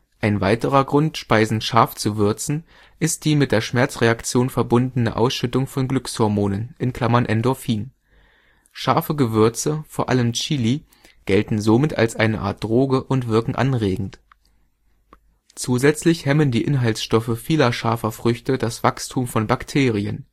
Ein weiterer Grund, Speisen scharf zu würzen, ist die mit der Schmerzreaktion verbundene Ausschüttung von Glückshormonen (Endorphin). Scharfe Gewürze, vor allem Chili, gelten somit als eine Art Droge und wirken anregend. Zusätzlich hemmen die Inhaltsstoffe vieler scharfer Früchte das Wachstum von Bakterien